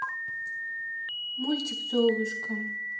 мультик золушка